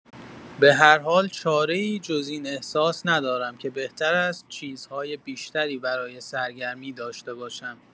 به هر حال چاره‌ای جز این احساس ندارم که بهتر است چیزهای بیشتری برای سرگرمی داشته باشم.